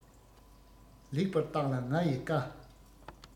ལེགས པར བརྟག ལ ང ཡི བཀའ